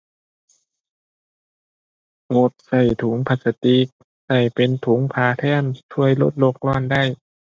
งดใช้ถุงพลาสติก ใช้เป็นถุงผ้าแทน ช่วยลดโลกร้อนได้